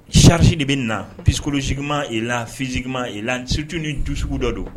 Sarisi de bɛ nin na ppkasima i la fisima yi la stu ni dusu sugu dɔ don